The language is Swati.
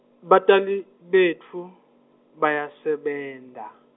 batali, betfu, bayasebenta.